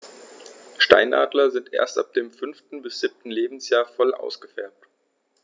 Steinadler sind erst ab dem 5. bis 7. Lebensjahr voll ausgefärbt.